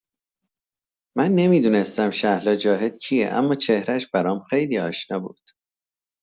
من نمی‌دونستم شهلا جاهد کیه اما چهره ش برام خیلی آشنا بود.